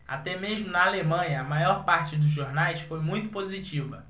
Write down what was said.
até mesmo na alemanha a maior parte dos jornais foi muito positiva